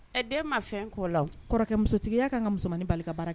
Ɛ den ma fɛn kɔ la kɔrɔkɛmusotigiya ka kan ka mumani bali baara kan